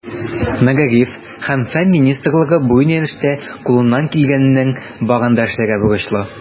Мәгариф һәм фән министрлыгы бу юнәлештә кулыннан килгәннең барын да эшләргә бурычлы.